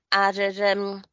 ar yr yym